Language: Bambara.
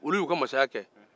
olu y'u ka mansaya kɛ